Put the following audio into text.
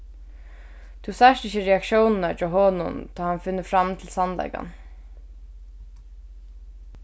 tú sært ikki reaktiónirnar hjá honum tá hann finnur fram til sannleikan